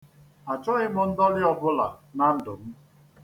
Achọghị m ndọlị ọbụla na ndụ m.